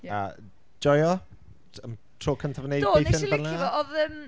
Ie... A, joio? T- tro cyntaf yn wneud, gweithio fel 'na?... Do, wnes i licio fo. Oedd, yym...